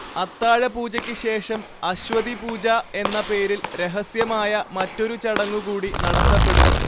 അത്താഴപൂജക്ക് ശേഷം അശ്വതീപൂജ എന്ന പേരിൽ രഹസ്യമായ മറ്റൊരു ചടങ്ങു കൂടി നടത്തപ്പെടുന്നു